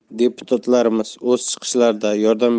deputatlarimiz o'z chiqishlarida yordam